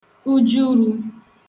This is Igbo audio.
ujuru